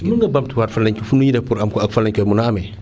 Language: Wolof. mun nga bamtuwaat fan lañ ko fu ñuy dem pour am ko ak fan lañu koy mën a amee